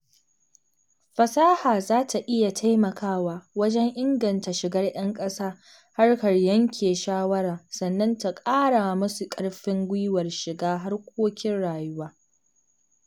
Fasaha za ta iya taimakawa wajen inganta shigar 'yan ƙasa harkar yanke shawara sannan ta ƙara musu ƙarfin gwiwar shiga harkokin rayuwa.